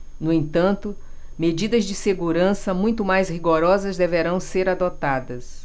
no entanto medidas de segurança muito mais rigorosas deverão ser adotadas